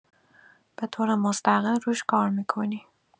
به‌طور مستقل روش کار می‌کنی.